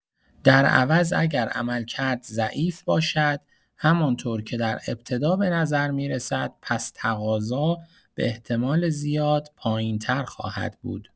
در عوض اگر عملکرد ضعیف باشد، همان‌طور که در ابتدا به‌نظر می‌رسد، پس تقاضا به‌احتمال‌زیاد پایین‌تر خواهد بود.